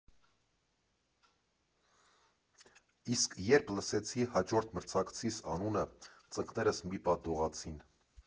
Իսկ երբ լսեցի հաջորդ մրցակցիս անունը՝ ծնկներս մի պահ դողացին։